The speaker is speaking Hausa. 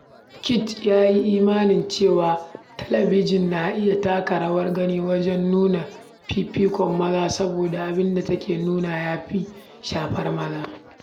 Kit ya yi imanin cewa talabijin na iya taka rawar gani wajen nuna fifikon maza Saboda abinda take nunawa yafi shafar mazaje